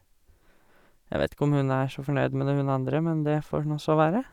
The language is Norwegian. Jeg vet ikke om hun er så fornøyd med det, hun andre, men det får nå så være.